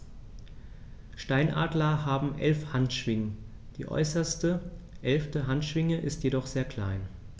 Steinadler haben 11 Handschwingen, die äußerste (11.) Handschwinge ist jedoch sehr klein.